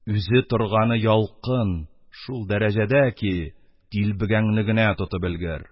Үзе торганы ялкын, шул дәрәҗәдә ки, тик дилбегәңне генә тотып өлгер.